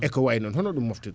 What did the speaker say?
eko way noon hono ɗum moftirte